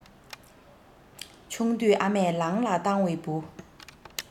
ཆུང དུས ཨ མས ལང ལ བཏང བའི བུ